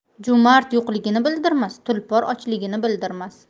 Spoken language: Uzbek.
jo'mard yo'qligini bildirmas tulpor ochligini bildirmas